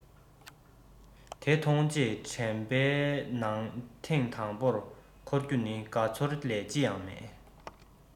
དེ མཐོང རྗེས དྲན པའི ནང ཐེངས དང པོར འཁོར རྒྱུ ནི དགའ ཚོར ལས ཅི ཡང མེད